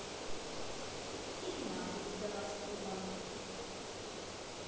иди на хуй пидарасские баны